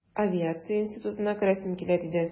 Авиация институтына керәсем килә, диде...